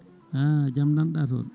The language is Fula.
an jaam nanɗa toon